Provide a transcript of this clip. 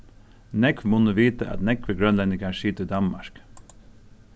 nógv munnu vita at nógvir grønlendingar sita í danmark